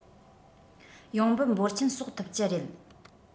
ཡོང འབབ འབོར ཆེན གསོག ཐུབ ཀྱི རེད